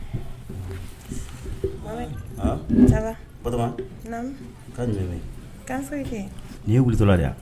Yetɔ